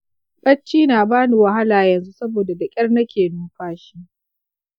bacci na bani wahala yanzu saboda da kyar nake numfashi.